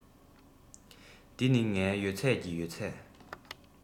འདི ནི ངའི ཡོད ཚད ཀྱི ཡོད ཚད